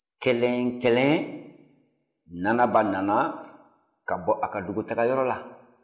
kelen kelen nanaba nana ka bɔ a ka dugutaga yɔrɔ la